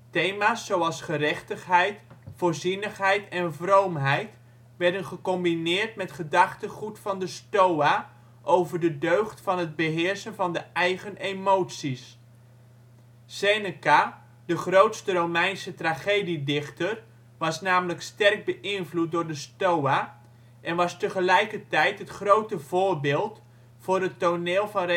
Thema 's zoals gerechtigheid, voorzienigheid en vroomheid werden gecombineerd met gedachtegoed van de Stoa over de deugd van het beheersen van de eigen emoties. Seneca, de grootste Romeinse tragediedichter, was namelijk sterk beïnvloed door de Stoa en was tegelijkertijd het grote voorbeeld voor het toneel van